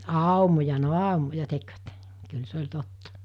aumoja no aumoja tekivät kyllä se oli totta